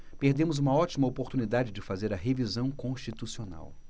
perdemos uma ótima oportunidade de fazer a revisão constitucional